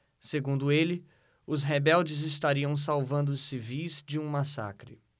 segundo ele os rebeldes estariam salvando os civis de um massacre